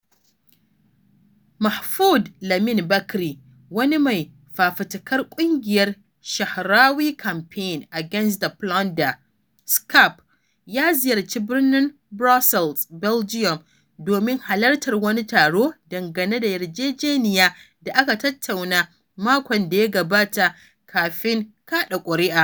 Mahfoud Lamin Bechri, wani mai fafutukar ƙungiyar Sahrawi Campaign Against the Plunder (SCAP), ya ziyarci birnin Brussels, Belgium, domin halartar wani taro dangane da yarjejeniyar da aka tattauna makon da ya gabata kafin kaɗa ƙuri'a.